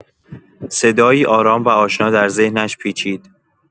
صدایی آرام و آشنا در ذهنش پیچید.